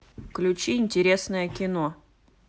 включи интересное кино